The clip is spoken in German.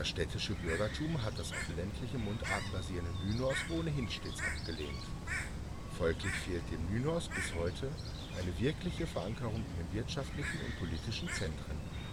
städtische Bürgertum hat das auf ländlichen Mundarten basierende Nynorsk ohnehin stets abgelehnt. Folglich fehlt dem Nynorsk bis heute eine wirkliche Verankerung in den wirtschaftlichen und politischen Zentren